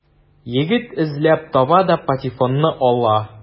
Егет эзләп таба да патефонны ала.